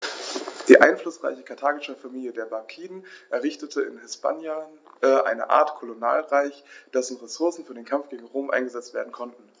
Die einflussreiche karthagische Familie der Barkiden errichtete in Hispanien eine Art Kolonialreich, dessen Ressourcen für den Kampf gegen Rom eingesetzt werden konnten.